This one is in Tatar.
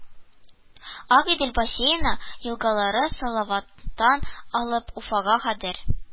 Агыйдел бассейны елгалары: Салаваттан алып Уфага кадәр